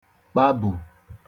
kpabù